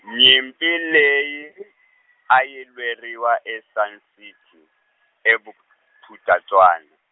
nyimpi leyi , a yi lweriwa e Sun City, e Bop- -phuthatswana.